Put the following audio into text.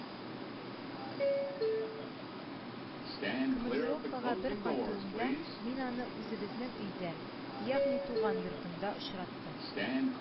Командировкага бер кайтуымда мин аны үзебезнең өйдә, ягъни туган йортымда очраттым